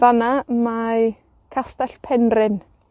fan 'na mae castell Penrhyn.